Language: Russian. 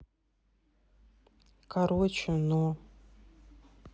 короче но